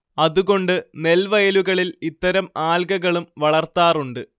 അതുകൊണ്ട് നെൽവയലുകളിൽ ഇത്തരം ആൽഗകളും വളർത്താറുണ്ട്